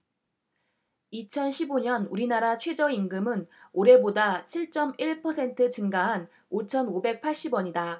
이천 십 오 년 우리나라 최저임금은 올해보다 칠 쩜 일 퍼센트 증가한 오천 오백 팔십 원이다